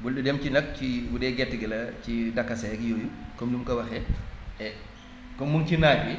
bul di dem ci nag ci bu dee gerte gi la ci dakase yeeg yooyu comme ni mu ko waxee et comme mu ngi ci naaj bi